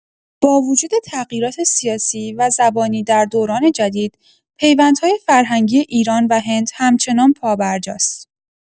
با وجود تغییرات سیاسی و زبانی در دوران جدید، پیوندهای فرهنگی ایران و هند همچنان پابرجاست.